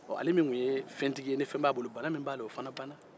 bɔn ale min tun ye fɛtigi ye ni fɛ b'a bolo bana min b'a la o fana banna